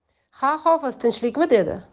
ha hofiz tinchlikmi dedi